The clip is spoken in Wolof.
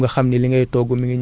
léegi bu nëbee day xeeñ